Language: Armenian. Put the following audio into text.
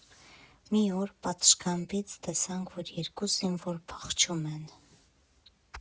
Մի օր պատշգամբից տեսանք, որ երկու զինվոր փախչում են։